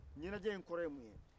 ɲɛnajɛ in kɔrɔ ye mun ye